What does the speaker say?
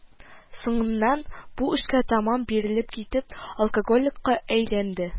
Соңыннан, бу эшкә тәмам бирелеп китеп, алкоголикка әйләнде